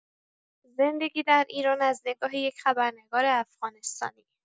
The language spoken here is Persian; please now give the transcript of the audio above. زندگی در ایران از نگاه یک خبرنگار افغانستانی